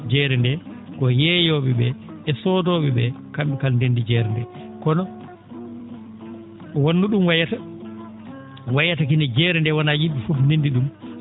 jeerde ko yeeyoo?e ?e e soodoo?e ?e kam?e kala ndenndi jeere nde kono won no ?um wayata wayata kene jeere nde wonaa yim?e fof ndenndi ?um